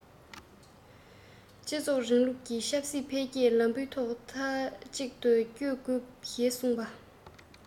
སྤྱི ཚོགས རིང ལུགས ཀྱི ཆབ སྲིད འཕེལ རྒྱས ལམ བུའི ཐོག མཐའ གཅིག ཏུ སྐྱོད དགོས ཞེས གསུངས པ